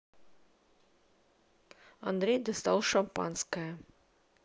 андрей достал шампанское